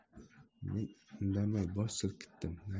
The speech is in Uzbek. men indamay bosh silkitdim